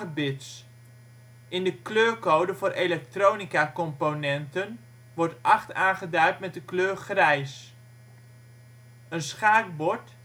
bits. In de kleurcode voor elektronicacomponenten wordt 8 aangeduid met de kleur grijs. Een schaakbord